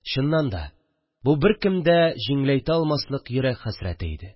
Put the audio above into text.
Чыннан да, бу – беркем дә җиңеләйтә алмаслык йөрәк хәсрәте иде